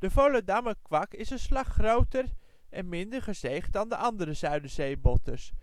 Volendammer kwak is een slag groter en minder gezeegd dan de andere Zuiderzeebotters